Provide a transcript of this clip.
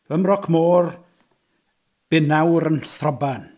Fy mroc môr, bu nawr yn throban.